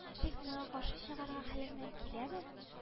Тик миңа каршы чыгарга хәлеңнән киләме